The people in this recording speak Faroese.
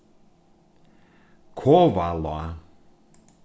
kovalág